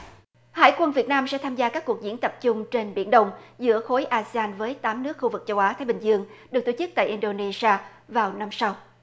hải quân việt nam sẽ tham gia các cuộc diễn tập chung trên biển đông giữa khối a sê an với tám nước khu vực châu á thái bình dương được tổ chức tại in đô nê si a vào năm sau